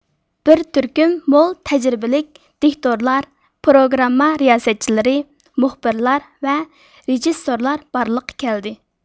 بىر تۈركۈم مول تەجرىبىلىك دىكتورلار پروگرامما رىياسەتچىلىرى مۇخبىرلار ۋە رېژىسسورلار بارلىققا كەلدى